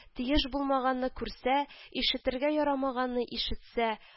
Тиеш булмаганны күрсә, ишетергә ярамаганны ишетсә